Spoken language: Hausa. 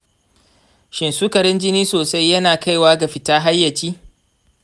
shin sukarin jini sosai ya na kawai ga fita hayaci?